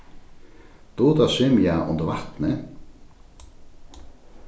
dugir tú at svimja undir vatni